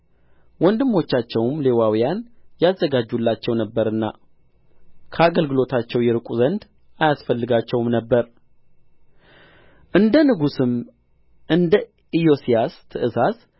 ወንድሞቻቸውም ሌዋውያን ያዘጋጁላቸው ነበርና ከአገልግሎታቸው ይርቁ ዘንድ አያስፈልጋቸውም ነበር እንደ ንጉሡም እንደ ኢዮስያስ ትእዛዝ